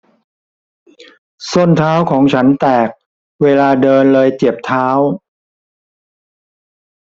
ส้นเท้าของฉันแตกเวลาเดินเลยเจ็บเท้า